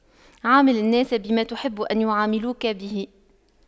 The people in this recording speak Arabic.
عامل الناس بما تحب أن يعاملوك به